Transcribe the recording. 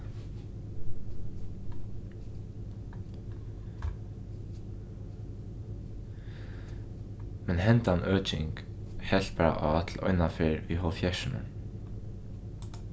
men hendan øking helt bara á til einaferð í hálvfjerðsunum